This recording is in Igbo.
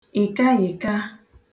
ị̀kayị̀ka